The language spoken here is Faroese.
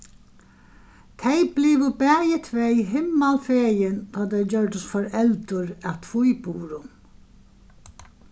tey blivu bæði tvey himmalfegin tá tey gjørdust foreldur at tvíburum